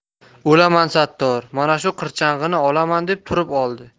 o'laman sattor mana shu qirchang'ini olaman deb turib oldi